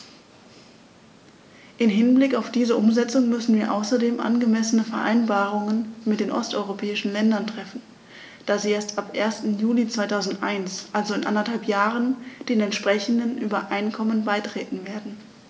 Im Hinblick auf diese Umsetzung müssen wir außerdem angemessene Vereinbarungen mit den osteuropäischen Ländern treffen, da sie erst ab 1. Juli 2001, also in anderthalb Jahren, den entsprechenden Übereinkommen beitreten werden.